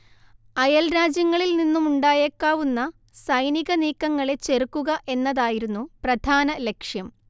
അയൽരാജ്യങ്ങളിൽ നിന്നുമുണ്ടായേക്കാവുന്ന സൈനികനീക്കങ്ങളെ ചെറുക്കുക എന്നതായിരുന്നു പ്രധാന ലക്ഷ്യം